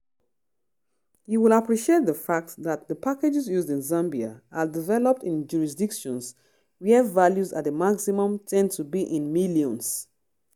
You will appreciate the fact that the packages used in Zambia are developed in jurisdictions where values, at a maximum, tend to be in millions.